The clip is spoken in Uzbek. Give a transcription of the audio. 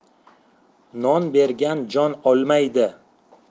non bergan jon olmaydi